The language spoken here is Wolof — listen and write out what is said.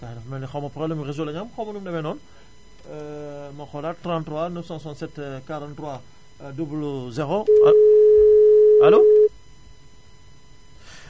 waa dafa mel ne xaw ma problème mu réseau lañu am xaw ma nu mu demee noonu ma xoolaat 33 967 43 00 allo